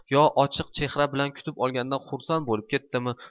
yo ochiq chehra bilan kutib olganidan xursand bo'lib ketdimi